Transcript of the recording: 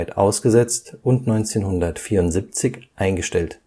ausgesetzt und 1974 eingestellt